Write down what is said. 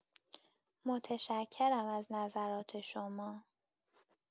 متشکرم از نظرات شما